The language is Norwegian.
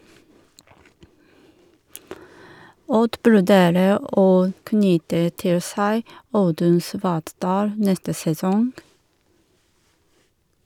Odd vurderer å knytte til seg Audun Svartdal neste sesong.